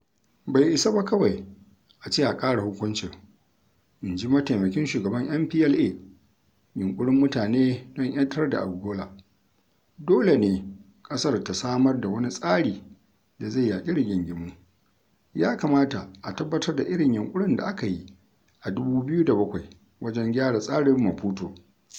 Bai isa ba kawai a ce a ƙara hukuncin, in ji mataimakin shugaban MPLA [Yunƙurin Mutane don 'Yantar da Angola], dole ne ƙasar ta samar da wani tsari da zai yaƙi rigingimu - ya kamata a tabbatar da irin yunƙurin da aka yi a 2007 wajen gyara tsarin Maputo.